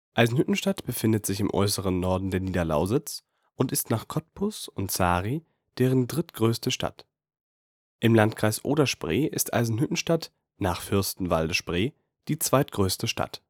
Eisenhüttenstadt befindet sich im äußersten Norden der Niederlausitz und ist nach Cottbus und Żary deren drittgrößte Stadt. Im Landkreis Oder-Spree ist Eisenhüttenstadt, nach Fürstenwalde/Spree, die zweitgrößte Stadt